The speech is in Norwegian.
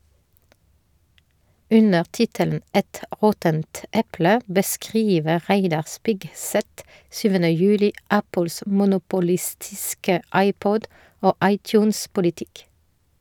Under tittelen «Et råttent eple» beskriver Reidar Spigseth 7. juli Apples monopolistiske iPod- og iTunes-politikk.